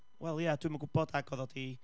Wel ia, dwi'm yn gwybod ac oedd o 'di...